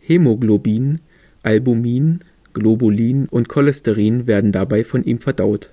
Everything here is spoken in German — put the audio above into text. Hämoglobin, Albumin, Globulin und Cholesterin werden dabei von ihm verdaut